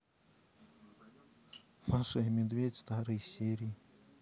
маша и медведь старые серии